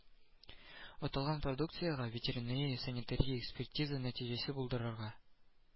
Аталган продукциягә ветеринария-санитария экспертизасы нәти әсе булдырырга